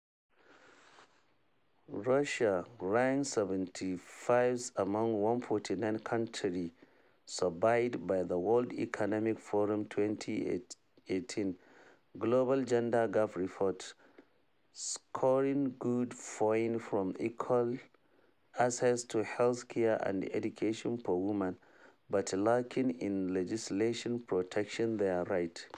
Russia ranks 75th among 149 countries surveyed by the World Economic Forum's 2018 Global Gender Gap Report, scoring good points for equal access to healthcare and education for women, but lacking in legislation protecting their rights.